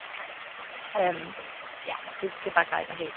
Ja, det det er bare greit å ha.